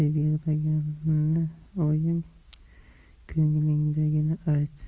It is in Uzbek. deb yig'laganini oyim ko'nglingdagini ayt